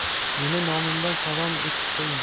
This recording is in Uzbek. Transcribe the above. meni nomimdan salom etib q'yin